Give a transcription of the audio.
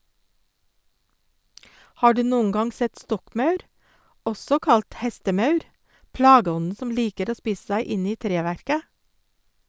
Har du noen gang sett stokkmaur, også kalt hestemaur, plageånden som liker å spise seg inn i treverket?